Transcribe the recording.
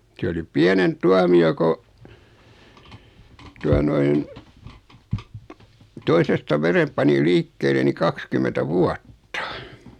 siellä oli pienempi tuomio kun tuota noin toisesta veren pani liikkeelle niin kaksikymmentä vuotta